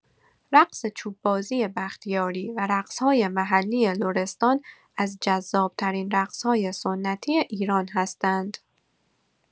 رقص چوب‌بازی بختیاری و رقص‌های محلی لرستان از جذاب‌ترین رقص‌های سنتی ایران هستند.